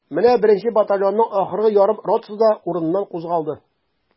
Менә беренче батальонның ахыргы ярым ротасы да урыныннан кузгалды.